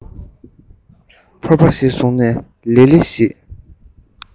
ཕོར པ ཞིག བཟུང ནས ལི ལི ཞེས